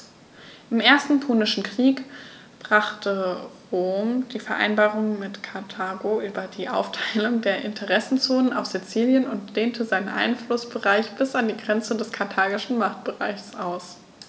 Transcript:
Im Ersten Punischen Krieg brach Rom die Vereinbarung mit Karthago über die Aufteilung der Interessenzonen auf Sizilien und dehnte seinen Einflussbereich bis an die Grenze des karthagischen Machtbereichs aus.